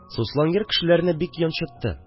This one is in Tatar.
Суслонгер кешеләрне бик йончытты